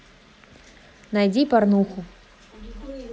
найди порнуху